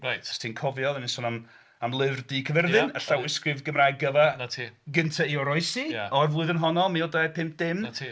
Reit... Os ti'n cofio odda ni'n son am Lyfr Du Caerfyrddin? Y llawysgrif Gymraeg gyfa gyntaf i oroesi o'r flwyddyn honno mil dau pum dim... 'Na ti.